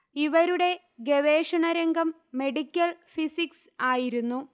ഇവരുടെ ഗവേഷണ രംഗം മെഡിക്കൽ ഫിസിക്സ് ആയിരുന്നു